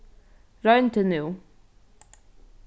royn teg nú